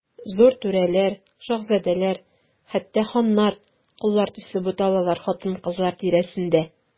Зур түрәләр, шаһзадәләр, хәтта ханнар, коллар төсле буталалар хатын-кызлар тирәсендә.